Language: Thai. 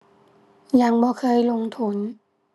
ยังบ่เคยลงทุน